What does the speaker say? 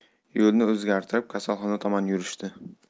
yo'lni o'zgartirib kasalxona tomon yurishdi